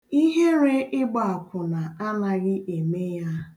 Ihere ịgba akwụna anaghị eme ya.